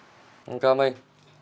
ăn cơm đi